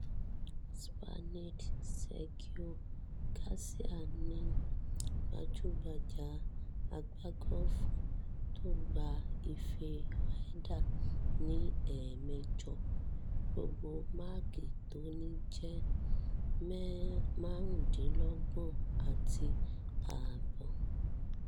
Spaniard Sergio Garcia ni gbajúgbajà agbágọ́ọ̀fù tó gba ife Ryder ní ẹẹ̀mẹjọ. Gbogbo máàkì tó ní jẹ́ 25.5.